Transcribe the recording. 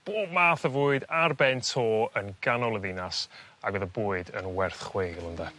bob math o fwyd ar ben to yn ganol y ddinas ag o'dd y bwyd yn werth chweil ynde?